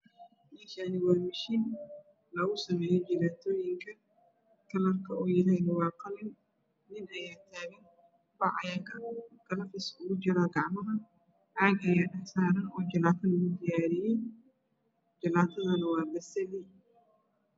Meshani waa mashin lagu sameyo jalaatoyinka kalarka u yahy neh waa qalin nin aya tagan galoofis aya ugu jiro gacmaha caag aya mesha saran oo jalato lagu diyariye jalatada neh waa basali